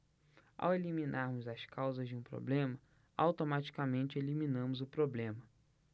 ao eliminarmos as causas de um problema automaticamente eliminamos o problema